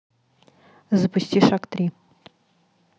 запусти шаг три